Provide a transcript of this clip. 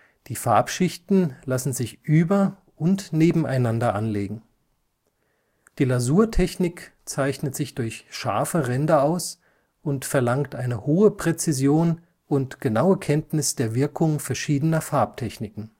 Die Farbschichten lassen sich über - und nebeneinander anlegen. Die Lasurtechnik zeichnet sich durch scharfe Ränder aus und verlangt eine hohe Präzision und genaue Kenntnis der Wirkung verschiedener Farbtechniken